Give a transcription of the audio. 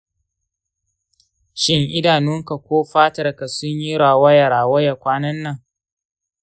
shin idanunka ko fatarka sun yi rawaya-rawaya kwanan nan?